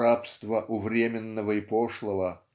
рабство у временного и пошлого